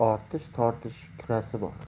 ortish tortish kirasi bor